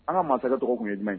An ka masakɛ tɔgɔ tun ye jumɛn ye?